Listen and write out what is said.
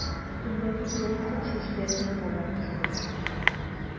Битендәге ялкын чәчләренә кабар төсле тоелды.